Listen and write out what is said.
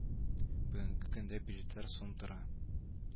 Бүгенге көндә билетлар сум тора